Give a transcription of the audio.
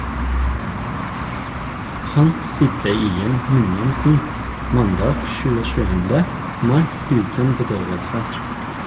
- Han sydde igjen munnen sin mandag 27. mai uten bedøvelse.